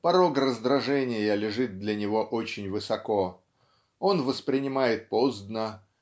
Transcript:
Порог раздражения лежит для него очень высоко. Он воспринимает поздно